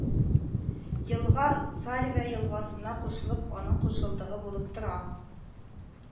Елга Царьва елгасына кушылып, аның кушылдыгы булып тора